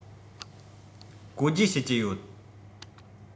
གོ བརྗེ བྱེད ཀྱི ཡོད